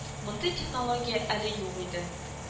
Мондый технология әле юк иде